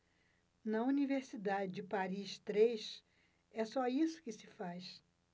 na universidade de paris três é só isso que se faz